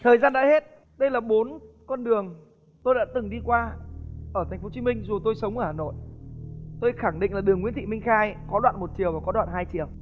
thời gian đã hết đây là bốn con đường tôi đã từng đi qua ở thành phố chí minh dù tôi sống ở hà nội tôi khẳng định là đường nguyễn thị minh khai có đoạn một chiều và có đoạn hai chiều